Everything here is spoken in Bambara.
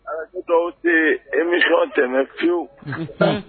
A dɔw tɛ e ni tɛ fiwu